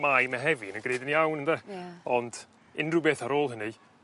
Mai Mehefin yn gneud yn iawn ynde? Ie. Ont unryw beth ar ôl hynny